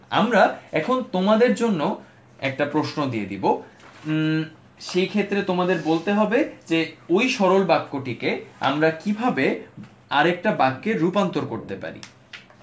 আমরা এখন তোমাদের জন্য একটা প্রশ্ন দিয়ে দিব সেই ক্ষেত্রে তোমাদের বলতে হবে ওই সরল বাক্যটিকে আমরা কিভাবে আরেকটা বাক্যে রূপান্তর করতে পারি